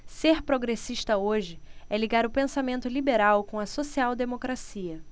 ser progressista hoje é ligar o pensamento liberal com a social democracia